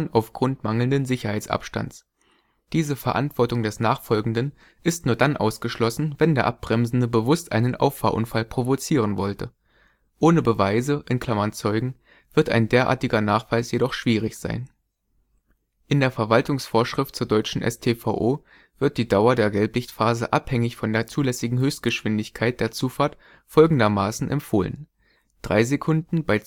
auf Grund mangelnden Sicherheitsabstands). Diese Verantwortung des Nachfolgenden ist nur dann ausgeschlossen, wenn der Abbremsende bewusst einen Auffahrunfall provozieren wollte. Ohne Beweise (Zeugen) wird ein derartiger Nachweis jedoch schwierig sein. In der Verwaltungsvorschrift zur deutschen StVO wird die Dauer der Gelblichtphase abhängig von der zulässigen Höchstgeschwindigkeit der Zufahrt folgendermaßen empfohlen: 3 s bei